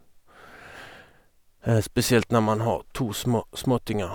Spesielt når man har to små småttingar.